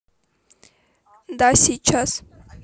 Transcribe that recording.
да сейчас